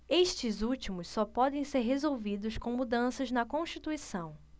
estes últimos só podem ser resolvidos com mudanças na constituição